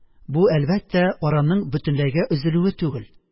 Бу, әлбәттә, араның бөтенләйгә өзелүе түгел